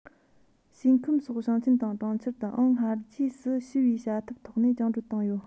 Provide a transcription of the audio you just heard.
ཤིས ཁམས སོགས ཞིང ཆེན དང གྲོང ཁྱེར དུའང སྔ རྗེས སུ ཞི བའི བྱ ཐབས ཐོག ནས བཅིངས འགྲོལ བཏང ཡོད